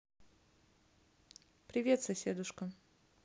привет соседушка